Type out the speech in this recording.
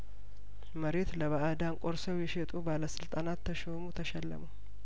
መሬት ለባእዳን ቆርሰው የሸጡ ባለስልጣናት ተሾሙ ተሸለሙ